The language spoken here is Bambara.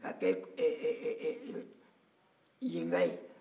ka kɛ ɛɛɛ yenka ye